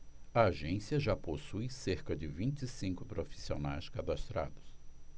a agência já possui cerca de vinte e cinco profissionais cadastrados